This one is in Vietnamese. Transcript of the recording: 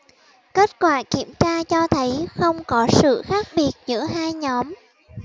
kết quả kiểm tra cho thấy không có sự khác biệt giữa hai nhóm